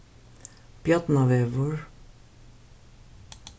bjarnavegur